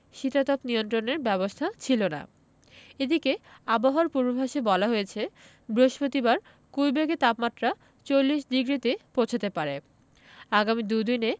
শীতাতপ নিয়ন্ত্রণের ব্যবস্থা ছিল না এদিকে আবহাওয়ার পূর্বাভাসে বলা হয়েছে বৃহস্পতিবার কুইবেকে তাপমাত্রা ৪০ ডিগ্রিতে পৌঁছাতে পারে আগামী দু'দিনে